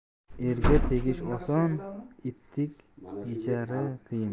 erga tegish oson etik yechari qiyin